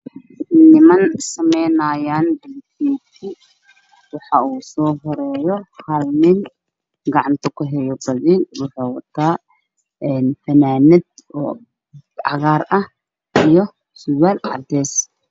Waa meel shaqo ka socoto waxaa joogo afar nin waxa ay wataan badeelo